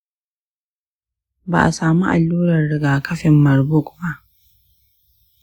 ba a samu allurar rigakafin marburg ba.